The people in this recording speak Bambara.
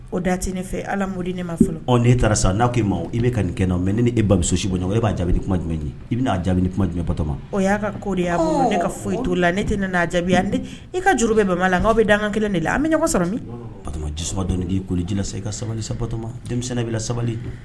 O da tɛ ne fɛ ala mden ne ma fɔlɔ'e taara sa n'a'i maa i bɛ ka nin kɛ nɔ mɛ ni e ba bɛ so si bɔɔn o e b'a jaabi kuma jumɛn ye i bɛ n'a jaabi kuma jumɛn batoma y'a ka ko de' ne ka foyi t la ne tɛ n'a jaabi i ka juru bɛɛ bɛn la'aw bɛ dangan kelen de la an bɛ ɲɔgɔn sɔrɔ min bato disaba dɔnni k'i ko ji sa i ka sabali sa batoma denmisɛnnin bɛ la sabali